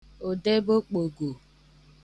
òdebeokpògò